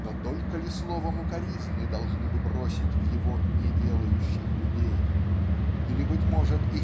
Но только ли словом укоризны должны мы бросить в его неделающих людей? Или быть может